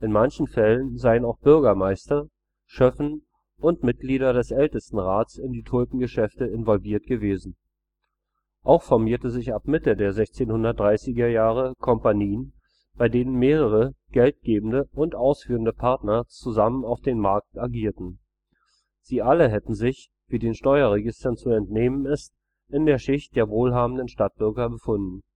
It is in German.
manchen Fällen seien auch Bürgermeister, schepen (‚ Schöffen ‘) und Mitglieder des Ältestenrats in die Tulpengeschäfte involviert gewesen. Auch formierten sich ab Mitte der 1630er Jahre Kompanien, bei denen mehrere geldgebende und ausführende Partner zusammen auf dem Markt agierten. Sie alle hätten sich, wie den Steuerregistern zu entnehmen ist (1631 für Amsterdam sowie 1628, 1650 und 1653 für Haarlem angelegt), in der Schicht der wohlhabenden Stadtbürger befunden